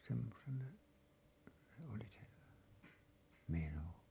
semmoisen se oli se meno